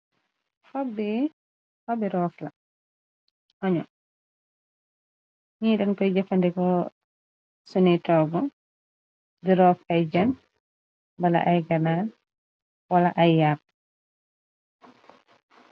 Xob bi, xobbi roflaa oño, ñiy den koy jëfandeko sunu toggo, di roof ay jen, mbala ay ganaar, wala ay yàpp.